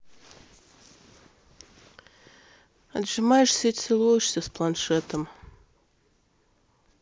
отжимаешься и целуешься с планшетом